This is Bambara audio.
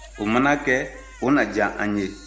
o mana kɛ o na diya an ye